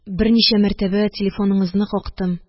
Берничә мәртәбә телефоныңызны кактым